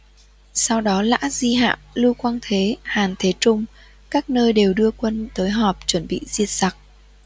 sau đó lã di hạo lưu quang thế hàn thế trung các nơi đều đưa quân tới họp chuẩn bị diệt giặc